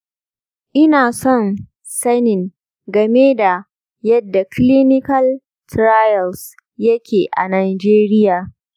ina son sanin game da yadda clinical trials yake a najeriya.